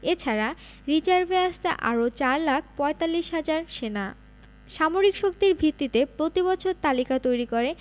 এ ছাড়া রিজার্ভে আছে আরও ৪ লাখ ৪৫ হাজার সেনা সামরিক শক্তির ভিত্তিতে প্রতিবছর তালিকা তৈরি করে